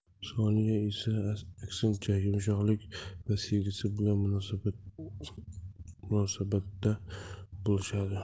sonyaga esa aksincha yumshoqlik va sevgi bilan munosabatda bo'lishadi